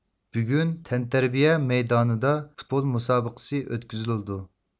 بۈگۈن تەنتەربىيە مەيدانىدا پۇتبۇل مۇسابىقىسى ئۆتكۈزۈلىدۇ